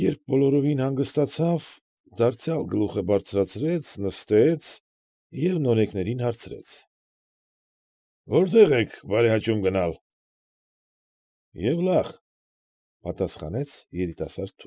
Երբ բոլորովին հանգստացավ, դարձյալ զլուխը բարձրացրեց, նստեց և նորեկներին հարցրեց. ֊ Որտե՞ղ եք բարեհաճում գնալ։ ֊ Եվլախ,֊ պատասխանեց երիտասարդ։